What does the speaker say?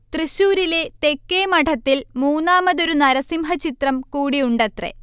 തൃശ്ശൂരിലെ തെക്കേമഠത്തിൽ മൂന്നാമതൊരു നരസിംഹചിത്രം കൂടി ഉണ്ടത്രേ